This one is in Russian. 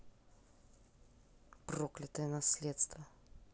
проклятое наследство